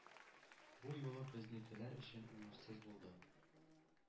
Бу юлы безнекеләр өчен уңышсыз булды.